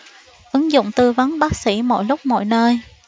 ứng dụng tư vấn bác sĩ mọi lúc mọi nơi